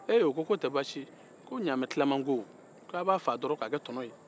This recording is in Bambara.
eee e ko k'o tɛ basi ye ko ɲamɛ tilan mago k'a ba faga dɔrɔn k'a kɛ tɔnɔ ye